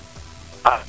a